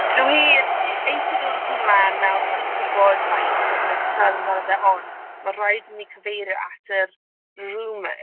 Dwi eisiau dod â hwn lan nawr. Dwi'n gwybod falle bo' ti ddim isie siarad amdano fe, ond ma' raid i ni cyfeirio at y rumours.